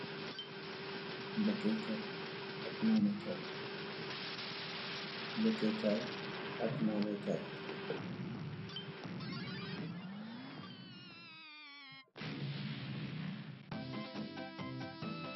Lekkeh kai ak naneh kai.